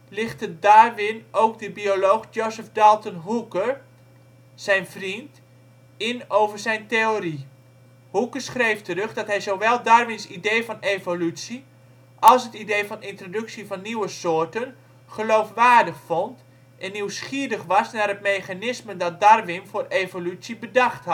lichtte Darwin ook de bioloog Joseph Dalton Hooker, zijn vriend, in over zijn theorie. Hooker schreef terug dat hij zowel Darwins idee van evolutie als het idee van introductie van nieuwe soorten geloofwaardig vond, en nieuwsgierig was naar het mechanisme dat Darwin voor evolutie bedacht